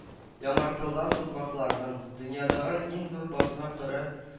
Яңартылган сукмакларның, дөньядагы иң зур басма корьән